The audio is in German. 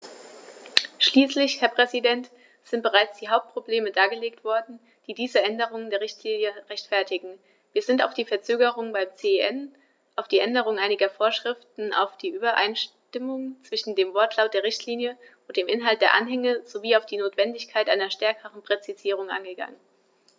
Schließlich, Herr Präsident, sind bereits die Hauptprobleme dargelegt worden, die diese Änderung der Richtlinie rechtfertigen, wir sind auf die Verzögerung beim CEN, auf die Änderung einiger Vorschriften, auf die Übereinstimmung zwischen dem Wortlaut der Richtlinie und dem Inhalt der Anhänge sowie auf die Notwendigkeit einer stärkeren Präzisierung eingegangen.